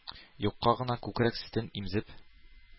Юкка гына күкрәк сөтен имзеп,